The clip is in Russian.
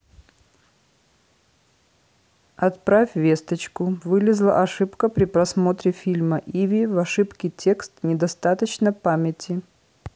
отправь весточку вылезла ошибка при просмотре фильма иви в ошибке текст недостаточно памяти